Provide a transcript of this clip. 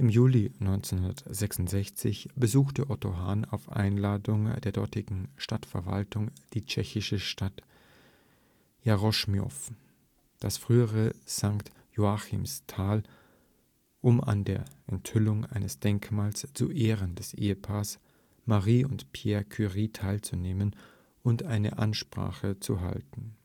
Juli 1966 besuchte Otto Hahn auf Einladung der dortigen Stadtverwaltung die tschechische Stadt Jáchymov, das frühere St. Joachimsthal, um an der Enthüllung eines Denkmals zu Ehren des Ehepaares Marie und Pierre Curie teilzunehmen und eine Ansprache zu halten